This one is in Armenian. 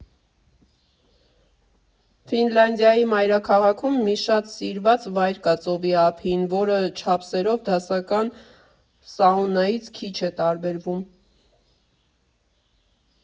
Ֆինլանդիայի մայրաքաղաքում մի շատ սիրված վայր կա ծովի ափին, որը չափսերով դասական սաունայից քիչ է տարբերվում։